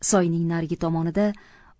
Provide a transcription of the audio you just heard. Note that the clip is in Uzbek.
soyning narigi tomonida